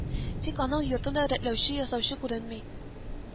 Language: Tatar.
Тик аның йортын да рәтләүче, ясаучы күренми